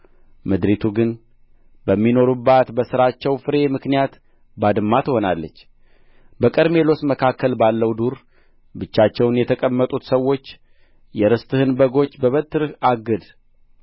ምድሪቱ ግን በሚኖሩባት በሥራቸው ፍሬ ምክንያት ባድማ ትሆናለች በቀርሜሎስ መካከል ባለው ዱር ብቻቸውን የተቀመጡት ሰዎችህ የርስትህን በጎች በበትርህ አግድ